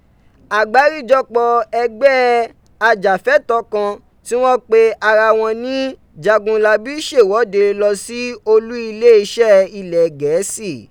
Agbarijọpọ ẹgbẹ ajafẹtọ kan ti wọn pe ara wọn ni Jagunlabí ṣewọde lọ si olu ileeṣẹ ilẹ Gẹeṣi.